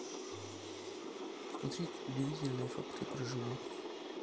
смотреть удивительные факты про животных